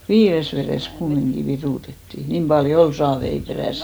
viidessä vedessä kumminkin virutettiin niin paljon oli saaveja peräisin